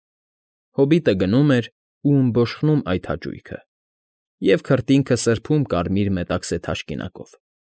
Հոբիտը գնում էր ու ըմբոշխնում այդ հաճույքը, և քրտինքը սրբում կարմիր մետաքսե թաշկինակով։